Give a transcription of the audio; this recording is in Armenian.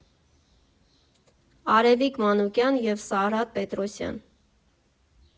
Արևիկ Մանուկյան և Սարհատ Պետրոսյան.